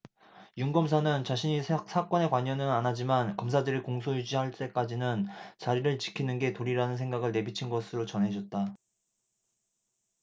윤 검사는 자신이 사건에 관여는 안하지만 검사들이 공소유지 할 때까지는 자리를 지키는 게 도리라는 생각을 내비친 것으로 전해졌다